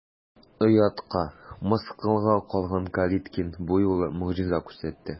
Оятка, мыскылга калган Калиткин бу юлы могҗиза күрсәтте.